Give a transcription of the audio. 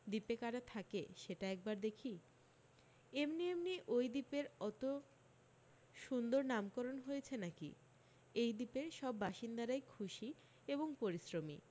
দ্বীপে কারা থাকে সেটা একবার দেখি এমনি এমনি অই দ্বীপের অত সুন্দর নামকরণ হয়েছে নাকি এই দ্বীপের সব বাসিন্দারাই খুশি এবং পরিশ্রমী